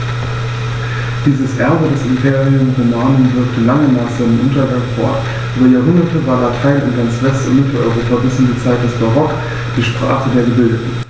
Dieses Erbe des Imperium Romanum wirkte lange nach seinem Untergang fort: Über Jahrhunderte war Latein in ganz West- und Mitteleuropa bis in die Zeit des Barock die Sprache der Gebildeten.